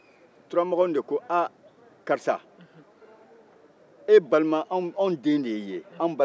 a turamaganw de ko aa karisa e balima anw den de y'i ye